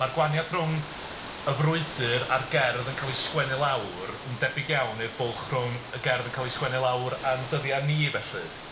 Mae'r gwahaniaeth rhwng y frwydr a'r gerdd yn cael ei sgwennu lawr yn debyg iawn i'r bwlch rhwng y gerdd yn cael ei sgwennu lawr a'n ddyddiau ni felly.